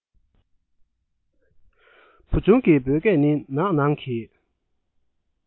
བུ ཆུང གི འབོད སྐད ནི ནགས ནང གི